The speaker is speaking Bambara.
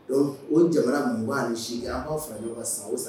Donc o jamana 28 aw ka fara ɲɔgɔn kan san o san